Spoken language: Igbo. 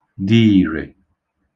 dị ìrè